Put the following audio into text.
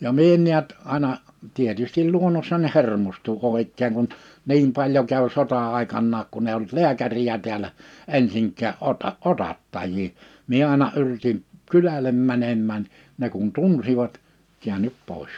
ja minä en näet aina tietysti luonnossani hermostuin kun oikein kun niin paljon kävi sota-aikanakaan kun ei ollut lääkäriä täällä ensinkään - otattajia minä aina yritin kylälle menemään ne kun tunsivat käänny pois